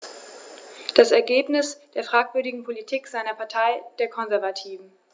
Das ist das Ergebnis der fragwürdigen Politik seiner Partei, der Konservativen.